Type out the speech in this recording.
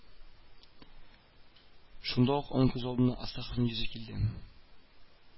Шунда ук аның күз алдына Астаховның йөзе килде